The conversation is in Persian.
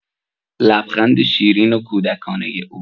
لبخند شیرین و کودکانۀ او